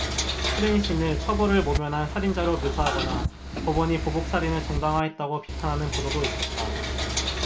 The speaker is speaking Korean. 프랜신을 처벌을 모면한 살인자로 묘사하거나 법원이 보복살인을 정당화했다고 비판하는 보도도 있었다